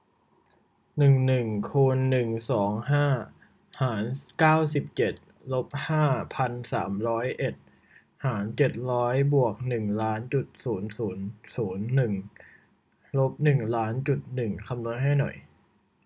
หนึ่งหนึ่งคูณหนึ่งสองห้าหารเก้าสิบเจ็ดลบห้าพันสามร้อยเอ็ดหารเจ็ดร้อยบวกหนึ่งล้านจุดศูนย์ศูนย์ศูนย์หนึ่งลบหนึ่งล้านจุดหนึ่งคำนวณให้หน่อย